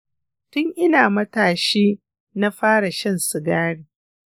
tun ina matashi na fara shan sigari